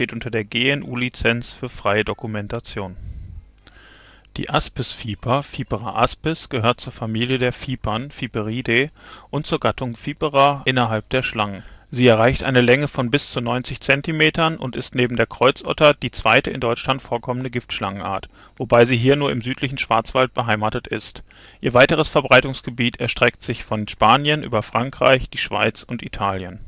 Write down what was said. unter der GNU Lizenz für freie Dokumentation. Aspisviper Aspisviper (Vipera aspis) Vorlage:Taxonomy Vorlage:Ordo: Schuppenkriechtiere (Squamata) Vorlage:Subordo: Schlangen (Serpentes) Vorlage:Familia: Vipern (Viperidae) Vorlage:Subfamilia: Echte Vipern (Viperinae) Vorlage:Genus: Echte Ottern (Vipera) Vorlage:Species: Aspisviper Wissenschaftlicher Name Vipera aspis Linnaeus 1758 Die Aspisviper (Vipera aspis) gehört zur Familie der Vipern (Viperidae) und zur Gattung Vipera innerhalb der Schlangen. Sie erreicht eine Länge von bis zu 90 Zentimetern und ist neben der Kreuzotter die zweite in Deutschland vorkommende Giftschlangenart, wobei sie hier nur im südlichen Schwarzwald beheimatet ist. Ihr weiteres Verbreitungsgebiet erstreckt sich von Spanien über Frankreich, die Schweiz und Italien